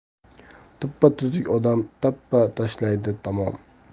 tuppatuzuk odam tappa tashlaydi tamom